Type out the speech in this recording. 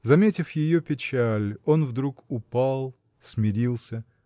Заметив ее печаль, он вдруг упал, смирился